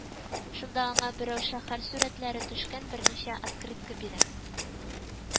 Шунда аңа берәү шәһәр сурәтләре төшкән берничә открытка бирә